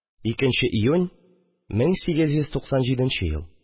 2 нче июнь, 1897 ел